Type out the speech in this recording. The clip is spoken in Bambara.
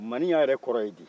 maniyan yɛrɛ kɔrɔ ye di